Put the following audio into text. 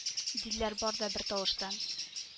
— диделәр бар да бер тавыштан